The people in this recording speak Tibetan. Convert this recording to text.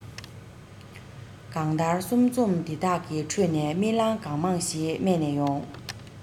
གང ལྟར གསུང རྩོམ འདི དག གི ཁྲོད ནས རྨི ལམ གང མང ཞིག རྨས ནས ཡོང